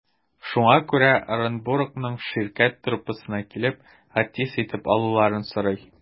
Шуңа күрә Ырынбурның «Ширкәт» труппасына килеп, артист итеп алуларын сорый.